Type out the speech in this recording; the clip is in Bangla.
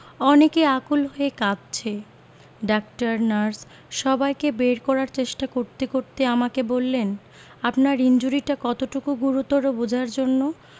অনেকে আকুল হয়ে কাঁদছে ডাক্তার নার্স সবাইকে বের করার চেষ্টা করতে করতে আমাকে বললেন আপনার ইনজুরিটা কতটুকু গুরুতর বোঝার জন্য